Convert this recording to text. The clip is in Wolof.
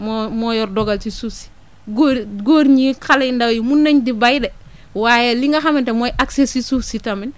moo moo yor dogal ci suuf si góor góor ñi xale yu ndaw yi mun nañ di béy de waaye li nga xamante mooy accès si suuf si tamit